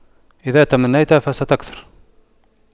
إذا تمنيت فاستكثر